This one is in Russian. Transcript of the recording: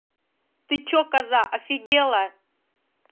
ты че коза офигела